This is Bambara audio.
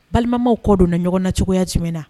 Balimamaw kɔ don na ɲɔgɔn na cogoyaya tɛmɛn na